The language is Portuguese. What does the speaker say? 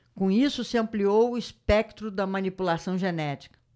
com isso se ampliou o espectro da manipulação genética